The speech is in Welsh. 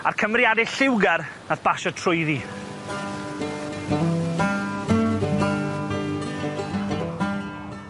a'r cymeriade lliwgar nath basio trwyddi.